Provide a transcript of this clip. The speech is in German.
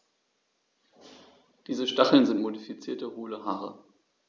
Diese Stacheln sind modifizierte, hohle Haare.